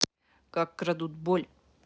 как крадут боль